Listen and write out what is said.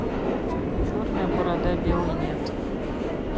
черная борода белый нет